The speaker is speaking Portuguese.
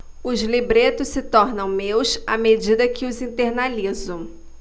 os libretos se tornam meus à medida que os internalizo